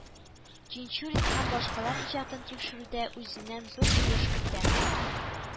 Тинчурин һәм башкалар иҗатын тикшерүдә үзеннән зур өлеш кертә